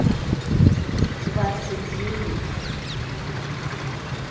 двадцать девять